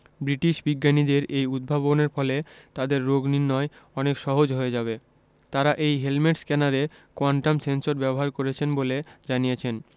British বিজ্ঞানীদের এই উদ্ভাবনের ফলে তাদের রোগনির্নয় অনেক সহজ হয়ে যাবে তারা এই হেলমেট স্ক্যানারে কোয়ান্টাম সেন্সর ব্যবহার করেছেন বলে জানিয়েছেন